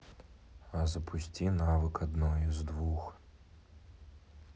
а запусти навык одно из двух